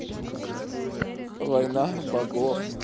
война богов